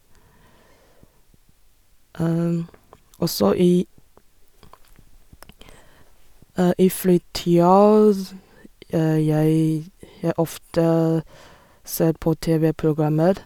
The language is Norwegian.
Og så i i fritida je jeg jeg ofte ser på TV-programmer.